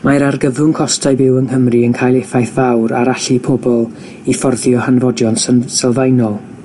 Mae'r argyfwng costau byw yng Nghymru yn cael effaith fawr a allu pobl i fforddio hanfodion syn- sylfaenol.